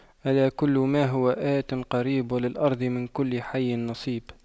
ألا كل ما هو آت قريب وللأرض من كل حي نصيب